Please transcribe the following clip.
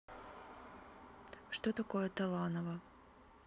что такое таланова